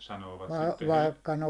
sanovat sitten että